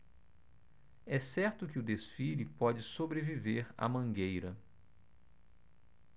é certo que o desfile pode sobreviver à mangueira